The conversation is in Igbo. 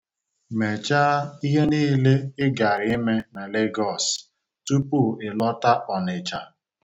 Mechaa ihe niile ị gara ime na Legoos tupu ị lọtawa Ọnịcha.